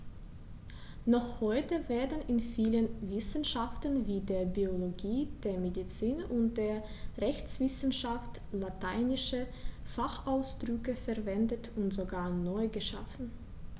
Noch heute werden in vielen Wissenschaften wie der Biologie, der Medizin und der Rechtswissenschaft lateinische Fachausdrücke verwendet und sogar neu geschaffen.